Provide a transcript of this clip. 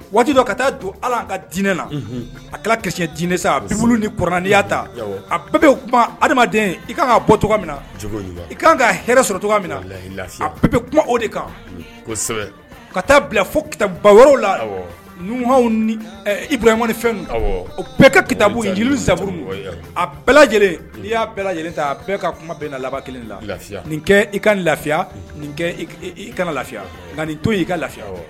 Waati dɔ ka taa don ala ka dinɛ na a kaɲɛ d sa a wulu ni knaaniya ta a bɛɛ bɛ kuma adamaden i kan ka bɔ tɔgɔ min na i ka kan ka hɛrɛ sɔrɔ tɔgɔ min bɛɛ bɛ kuma o de kan ka taa bila fo ba wɛrɛ lain fɛn o bɛɛ ka kitauru a bɛɛ lajɛlen n'i y'a bɛɛ lajɛlen ta a bɛɛ ka kuma bin na laban kelen la lafiya nin i ka lafiya kana lafiya nka nin to y' ka lafiya